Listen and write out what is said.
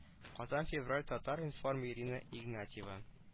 Казан февраль татар-информ ирина игнатьева